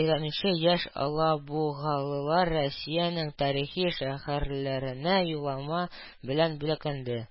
өйрәнүче яшь алабугалылар Россиянең тарихи шәһәрләренә юллама белән бүләкләнде